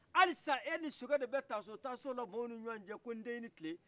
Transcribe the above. halisa e ni sokɛ de bɛ taso-taso la mɔgɔw ni ɲɔgɔn cɛ ko nden i ni tile